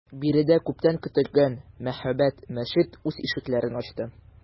Биредә күптән көтелгән мәһабәт мәчет үз ишекләрен ачты.